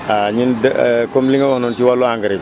ah ñun de comme li nga wax noonu ci wàllu engrais bi